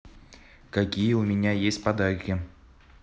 какие у меня есть подарки